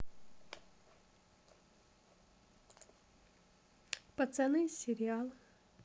пацаны сериал